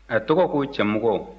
a tɔgɔ ko cɛmɔgɔ